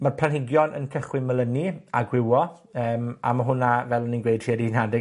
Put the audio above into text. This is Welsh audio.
ma'r planhigion yn cychwyn melynu, a gwywo, yym a ma' hwnna, fel o'n i'n gweud trua'r un adeg